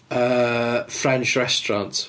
Yy French restaurant.